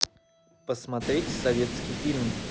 посмотреть советский фильм